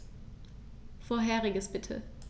Vorheriges bitte.